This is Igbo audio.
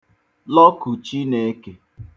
lọkụ̀ Chineke